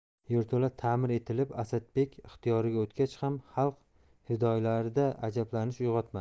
yerto'la ta'mir etilib asadbek ixtiyoriga o'tgach ham xalq fidoyilari da ajablanish uyg'otmadi